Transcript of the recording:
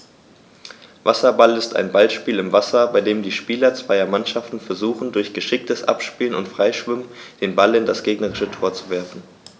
Wasserball ist ein Ballspiel im Wasser, bei dem die Spieler zweier Mannschaften versuchen, durch geschicktes Abspielen und Freischwimmen den Ball in das gegnerische Tor zu werfen.